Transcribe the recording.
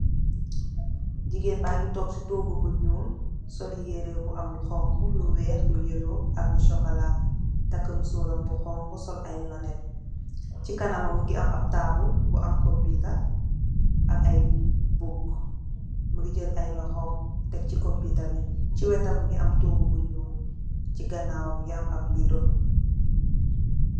jigeen bangi tog ci togu bu nyool sol yereh bu am lu xonxu lu weex lu yelo ak lu sokola takeu musoram bu xonxu sol ay lonet ci kanamam mungi am a taabul bu am compita ak ay bok mungi jel ay lokhom tek ci compita bi ci wetam mungi am togu bu nyool ci ganaw mungi am rido